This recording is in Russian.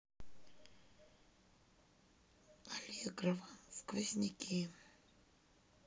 алегрова сквозняки